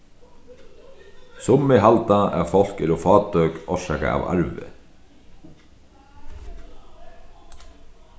summi halda at fólk eru fátøk orsakað av arvi